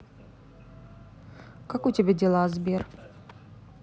как у тебя дела сбер